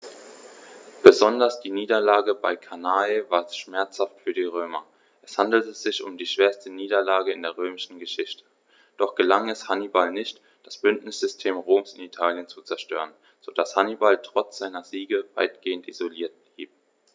Besonders die Niederlage bei Cannae war schmerzhaft für die Römer: Es handelte sich um die schwerste Niederlage in der römischen Geschichte, doch gelang es Hannibal nicht, das Bündnissystem Roms in Italien zu zerstören, sodass Hannibal trotz seiner Siege weitgehend isoliert blieb.